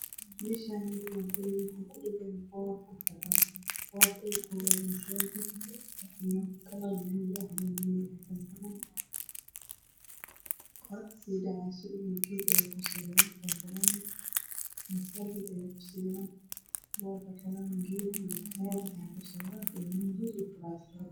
Meshan waa biro waxaa kudhagan iyo kalar bulug ah